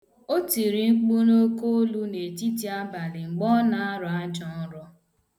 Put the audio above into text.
O tiri mkpu n'oke olu n' etitiabali mgbe ọ na-arọ ajọ nrọ.